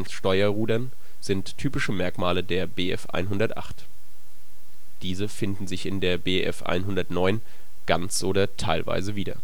Steuerrudern sind typische Merkmale der Bf 108. Diese finden sich in der Bf 109 ganz oder teilweise wieder